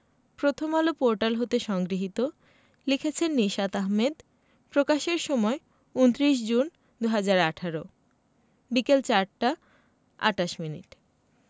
Prothom Alo portal হতে সংগৃহীত লিখেছেন নিশাত আহমেদ প্রকাশের সময় ২৯ জুন ২০১৮ বিকেল ৪টা ২৮ মিনিট